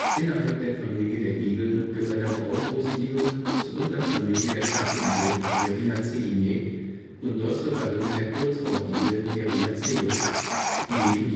Innerhalb der Familie der Igel gehört der Braunbrustigel zur Unterfamilie der Stacheligel (Erinaceinae) und dort zur Gattung der Kurzohrigel (Erinaceus), die neben